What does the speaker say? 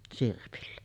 sirpillä